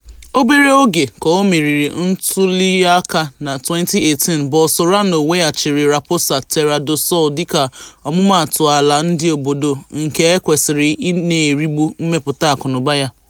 Obere oge ka o meriri ntuliaka na 2018, Bolsonaro weghachiri Raposa Terra do Sol dịka ọmụmaatụ ala ndị obodo nke e kwesịrị ị na-erigbu mmepụta akụnaụba ya.